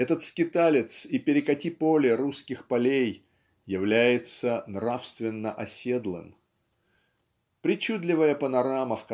этот скиталец и перекати-поле русских полей является нравственно-оседлым. Причудливая панорама